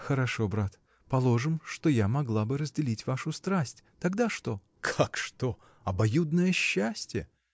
— Хорошо, брат, положим, что я могла бы разделить вашу страсть — тогда что? — Как что? Обоюдное счастье!